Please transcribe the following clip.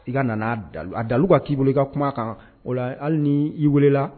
I ka nana da a dalu ka k'i boli i ka kuma kan o hali ni i weelela